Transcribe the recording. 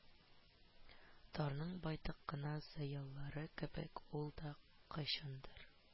Тарның байтак кына зыялылары кебек, ул да кайчандыр